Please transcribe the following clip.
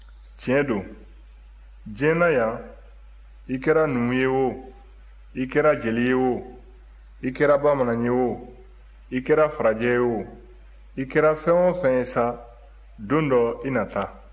tiɲɛ don diɲɛ na yan i kɛra numu ye o i kɛra jeli ye o i kɛra bamanan ye o i kɛra farajɛ ye o i kɛra fɛn o fɛn ye sa don dɔ i na taa